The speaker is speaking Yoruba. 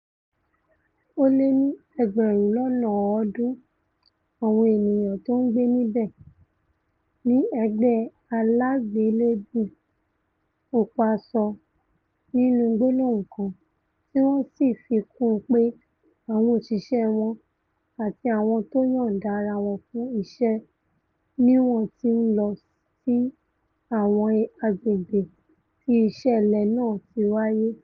Ó lé ni ẹgbẹ̀run lọ́nà ọ̀ọ́dún àwọn ènìyàn tó ńgbé níbẹ̀, ni Ẹgbẹ́ Aláàgbéléèbú Pupa sọ nínú gbólóhùn kan, tí wọn sì fi kún un pe àwọn òṣìṣẹ́ wọn àti awọn tó yọ̀ǹda ara wọn fún iṣẹ́ niwọ́n ti ńlọ sí àwọn agbègbè̀ tí ìṣẹ̀lẹ̀ náà ti wáyé.